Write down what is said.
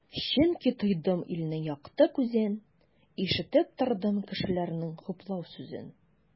Чөнки тойдым илнең якты күзен, ишетеп тордым кешеләрнең хуплау сүзен.